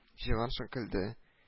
Җиһаншин көлде